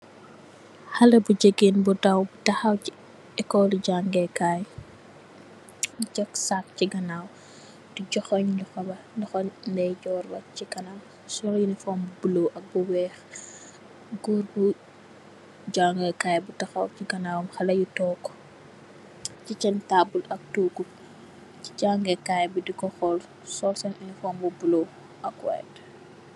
Haleh bu gigain bu daw takhaw chi ecolii jaangeh kaii, mu tek sac chi ganaw, dii johungh lokhor ba, lokhor ndeyjorr la chi kanam, sol uniform bu blue ak bu wekh, gorre bu jaangeh kai bii takhaw chi ganawam, haleh yii tok cii sen taabul ak tohgu chi jaangeh kaii bii dii kor hol, sol sen uniform bu blue ak bu white.